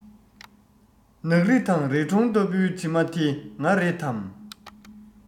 ནགས རི དང རི གྲོང ལྟ བུའི གྲིབ མ དེ ང རེད དམ